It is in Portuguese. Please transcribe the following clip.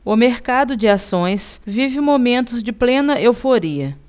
o mercado de ações vive momentos de plena euforia